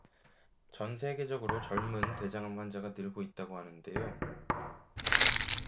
전 세계적으로 젊은 대장암 환자가 늘고 있다고 하는데요